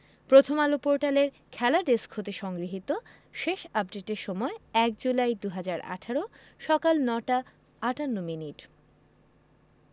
প্রথমআলো পোর্টালের খেলা ডেস্ক হতে সংগৃহীত শেষ আপডেটের সময় ১ জুলাই ২০১৮ সকাল ৯টা ৫৮মিনিট